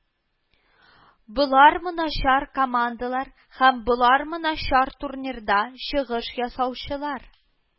Болармы начар командалар һәм болармы начар турнирда чыгыш ясаучылар